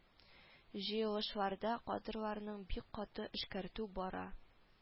Җыелышларда кадрларны бик каты эшкәртү бара